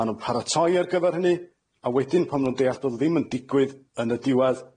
Ma' nw'n paratoi ar gyfar hynny, a wedyn pan nw'n deall bod o ddim yn digwydd yn y diwadd